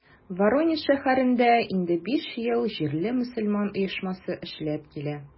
Воронеж шәһәрендә инде биш ел җирле мөселман оешмасы эшләп килә.